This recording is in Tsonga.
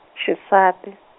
xisati.